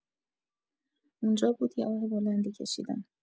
اونجا بود یه آه بلندی کشیدم